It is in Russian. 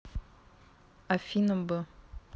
afina б